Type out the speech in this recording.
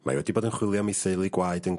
...mae wedi bod yn chwilio am ei theulu gwaed yn...